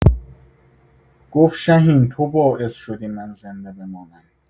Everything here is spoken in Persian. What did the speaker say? گفت شهین تو باعث شدی من زنده بمانم.